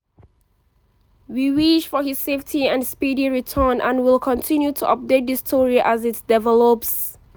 We wish for his safe and speedy return, and will continue to update this story as it develops.